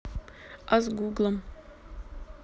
а с гуглом